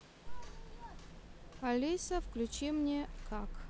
алиса включи мне как